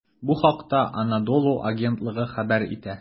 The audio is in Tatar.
Бу хакта "Анадолу" агентлыгы хәбәр итә.